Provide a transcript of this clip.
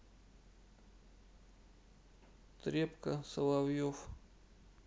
требко соловьев